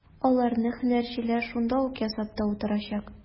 Аларны һөнәрчеләр шунда ук ясап та утырачак.